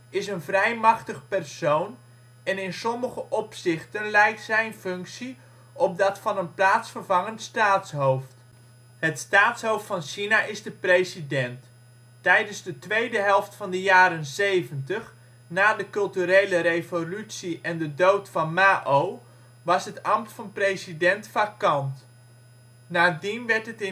is een vrij machtig persoon en in sommige opzichten lijkt zijn functie op dat van en plaatsvervangend staatshoofd. (Bron: Encarta ' 98) Het staatshoofd van China is de president (Zhuxi) (vroeger " voorzitter (Zhuxi) van de Volksrepubliek China " genaamd, verg. Mao Zedong). Tijdens de tweede helft van de jaren zeventig, na de Culturele Revolutie en de dood van Mao, was het ambt van president vacant. Nadien werd